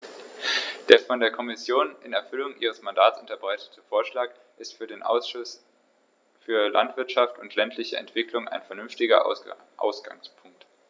Der von der Kommission in Erfüllung ihres Mandats unterbreitete Vorschlag ist für den Ausschuss für Landwirtschaft und ländliche Entwicklung ein vernünftiger Ausgangspunkt.